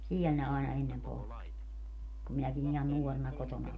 siellä ne aina ennen poltti kun minäkin ihan nuorena kotona olin